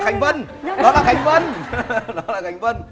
khánh vân đó là khánh vân đó là khánh vân